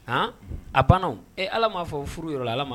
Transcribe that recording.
Hɔn a ban ee ala m'a fɔ furu yɔrɔ ala ma